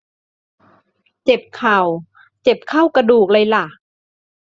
เจ็บเข่าเจ็บเข้ากระดูกเลยหล่ะ